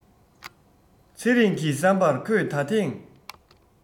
ཚེ རིང གི བསམ པར ཁོས ད ཐེངས